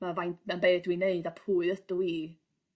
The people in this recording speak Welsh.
ma' faint 'na be' dw i'n neud a pwy ydw i